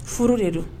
Furu de do